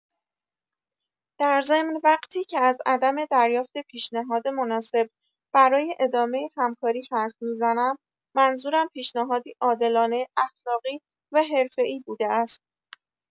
در ضمن وقتی که از عدم دریافت پیشنهاد مناسب برای ادامه همکاری حرف می‌زنم منظورم پیشنهادی عادلانه، اخلاقی و حرفه ایی بوده است.